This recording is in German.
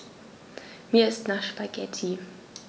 Mir ist nach Spaghetti.